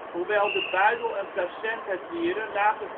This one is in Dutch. hoewel de buidel - en placentadieren later